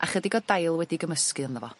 a chydig o dail wedi'u gymysgu ynddo fo.